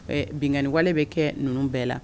Ɛɛ binaniwale bɛ kɛ ninnu bɛɛ la